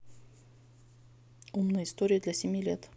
умные истории для семи лет